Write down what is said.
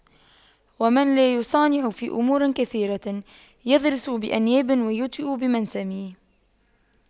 ومن لا يصانع في أمور كثيرة يضرس بأنياب ويوطأ بمنسم